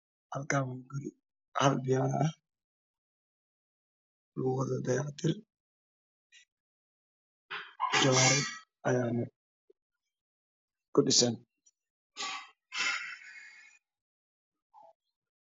Halkan wa guri hal biyano ah lagu wado dayactir jalayd ayana ku dhisen